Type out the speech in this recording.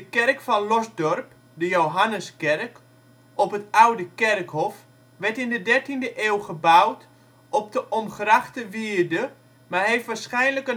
kerk van Losdorp (Johanneskerk) op het oude kerkhof werd in de dertiende eeuw gebouwd op de omgrachte wierde, maar heeft waarschijnlijk